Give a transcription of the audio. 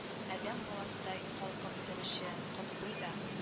Адәм баласыдай калкып торучы котбый да